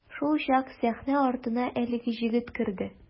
Шулчак сәхнә артына әлеге җегет керде.